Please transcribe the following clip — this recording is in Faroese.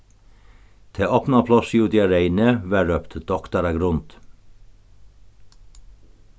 tað opna plássið úti á reyni varð rópt doktaragrund